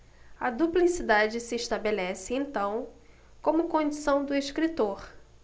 a duplicidade se estabelece então como condição do escritor